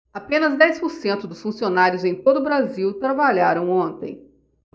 apenas dez por cento dos funcionários em todo brasil trabalharam ontem